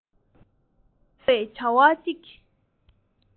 བརྗེད པར དཀའ བའི བྱ བ གཅིག